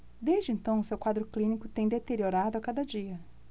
desde então seu quadro clínico tem deteriorado a cada dia